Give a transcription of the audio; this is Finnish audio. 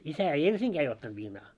isä ei ensinkään ei ottanut viinaa